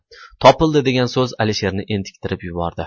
topildi degan so'z alisherni entiktirib yubordi